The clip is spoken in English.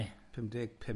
Pumdeg pump.